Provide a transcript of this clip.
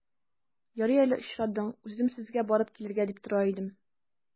Ярый әле очрадың, үзем сезгә барып килергә дип тора идем.